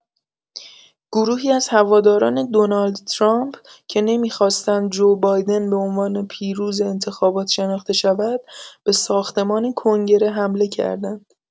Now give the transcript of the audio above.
گروهی از هواداران دونالد ترامپ که نمی‌خواستند جو بایدن به عنوان پیروز انتخابات شناخته شود، به ساختمان کنگره حمله کردند.